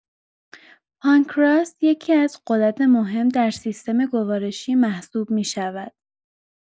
پانکراس یکی‌از غدد مهم در سیستم گوارشی محسوب می‌شود.